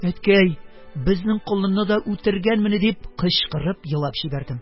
- әткәй, безнең колынны да үтергәнмени! - дип кычкырып елап җибәрдем.